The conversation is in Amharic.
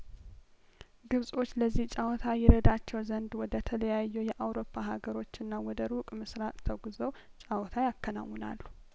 ግብጾች ለዚህ ጨዋታ ይረዳቸው ዘንድ ወደ ተለያዩ የአውሮፓ ሀገሮችና ወደ ሩቅ ምስራቅ ተጉዘው ጨዋታ ያከና ውናሉ